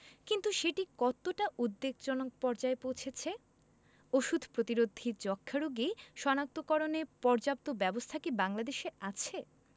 কিন্তু সেটি কতটা উদ্বেগজনক পর্যায়ে পৌঁছেছে ওষুধ প্রতিরোধী যক্ষ্মা রোগী শনাক্তকরণে পর্যাপ্ত ব্যবস্থা কি বাংলাদেশে আছে